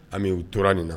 An u tora nin na